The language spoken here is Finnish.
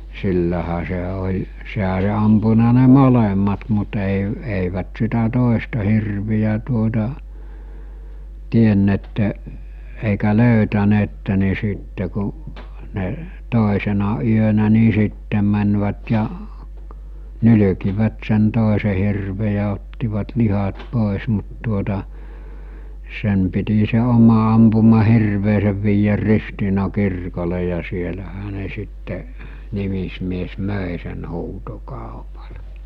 sillähän se oli sehän oli ampunut ne molemmat mutta ei eivät sitä toista hirveä tuota tienneet eikä löytäneet niin sitten kun ne toisena yönä niin sitten menivät ja nylkivät sen toisen hirven ja ottivat lihat pois mutta tuota sen piti se oma ampuma hirvensä viedä Ristiinan kirkolle ja siellähän ne sitten nimismies myi sen huutokaupalla